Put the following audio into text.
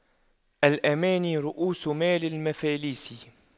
الأماني رءوس مال المفاليس